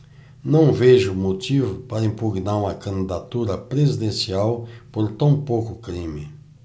não vejo motivo para impugnar uma candidatura presidencial por tão pouco crime